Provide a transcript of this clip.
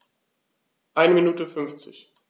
Eine Minute 50